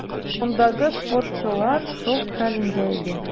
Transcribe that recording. Салондагы спортчылар шок хәлендә иде.